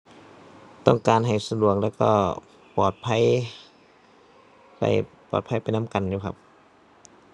ต้องการให้สะดวกแล้วก็ปลอดภัย ไป ปลอดภัยไปนำกันอยู่ครับ